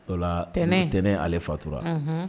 O ntɛnɛn ntɛnɛn ale fatura